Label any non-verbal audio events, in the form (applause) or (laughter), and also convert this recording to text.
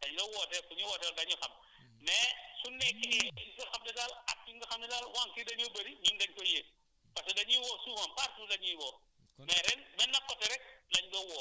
dañ la woote suñu wootewul da ñu xam mais su nekkee (noise) foo xam ne daal ak fi nga xam ne daal wànq yi dañoo bëri ñun dañu koy yëg parce que dañ ñuy woo souvent partout dañ ñuy woo